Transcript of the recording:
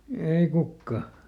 ei kukaan